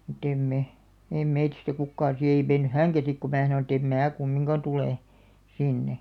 mutta ei me ei meistä kukaan sitten ei mennyt hänkään sitten kun minä sanoin että en minä kumminkaan tule sinne